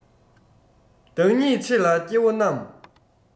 བདག ཉིད ཆེ ལ སྐྱེ བོ རྣམས